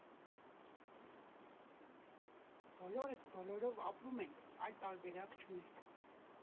Բոլորս բոլորով ապրում ենք, այլ տարբերակ չունենք։